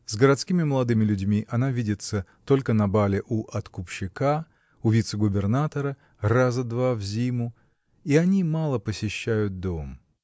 С городскими молодыми людьми она видится только на бале у откупщика, у вице-губернатора, раза два в зиму, и они мало посещают дом.